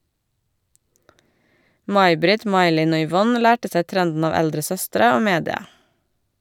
May Britt, May Linn og Yvonne lærte seg trenden av eldre søstre og media.